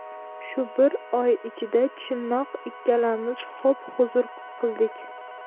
shu bir oy ichida chinoq ikkalamiz xo'p huzur qildik